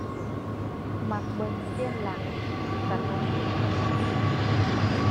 มักเบิ่งเซียนหรั่ง ตลกดีบ่ต้องคิดหยังหลาย